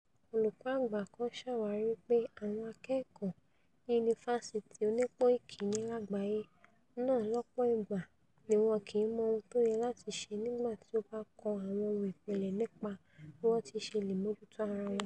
Olùkọ́-àgbà kan ṣàwárí wí pé àwọn akẹ́kọ̀ọ́ ní yunifasiti onípò ìkínní láàgbáyé náà lọ́pọ̀ ìgbà níwọn kìí mọ ohun tóyẹ láti ṣe nígbà tí ó bá kan àwọn ohun ìpìlẹ̀ nípa bí wọn tiṣe leè mójútó ara wọn.